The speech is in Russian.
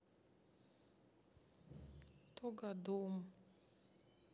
тугодум